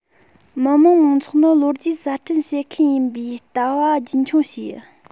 མི དམངས མང ཚོགས ནི ལོ རྒྱུས གསར སྐྲུན བྱེད མཁན ཡིན པའི ལྟ བ རྒྱུན འཁྱོངས བྱས